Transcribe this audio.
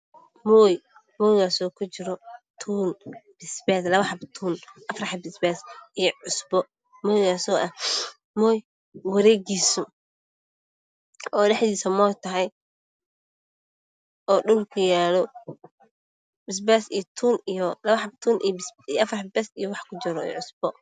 Waa mooye waxaa kujiro afar xabo basbaas iyo labo xabo tuun iyo cusbo mooygaas oo dhulka yaalo.